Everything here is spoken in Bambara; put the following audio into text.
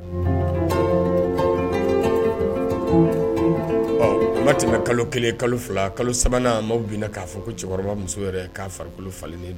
Ɔ o ma tɛmɛ kalo 1 , kalo 2 , kalo 3 nan maaw be!na k'a fɔ ko cɛkɔrɔba muso yɛrɛ k'a farikolo falen don